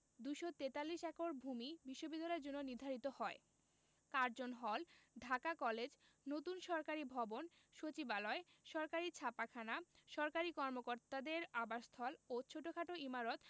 ২৪৩ acre ভূমি বিশ্ববিদ্যালয়ের জন্য নির্ধারিত হয় কার্জন হল ঢাকা কলেজ নতুন সরকারি ভবন সচিবালয় সরকারি ছাপাখানা সরকারি কর্মকর্তাদের আবাসস্থল ও ছোটখাট ইমারত